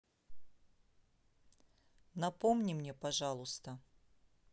напомни мне пожалуйста